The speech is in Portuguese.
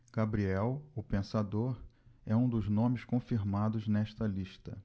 gabriel o pensador é um dos nomes confirmados nesta lista